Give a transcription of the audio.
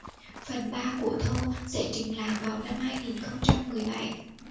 phần ba của thor sẽ trình làng vào năm hai nghìn không trăm mười bảy